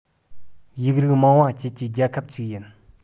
ཡིག རིགས མང བ བཅས ཀྱི རྒྱལ ཁབ ཅིག ཡིན